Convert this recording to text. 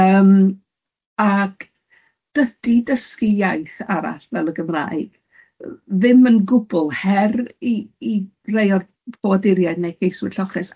yym ag dydi dysgu iaith arall fel y Gymraeg ddim yn gwbl her i i rhai o'r ffoaduriaid neu geiswyr lloches,